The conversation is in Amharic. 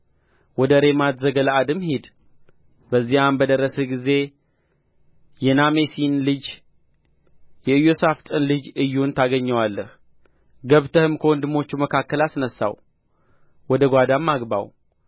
ወደ ሬማት ዘገለዓድም ሂድ በዚያም በደረስህ ጊዜ የናሜሲን ልጅ የኢዮሣፍጥን ልጅ ኢዩን ታገኘዋለህ ገብተህም ከወንድሞቹ መካከል አስነሣው ወደ ጓዳም አግባው